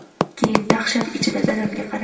keyin dahshat ichida dadamga qaradi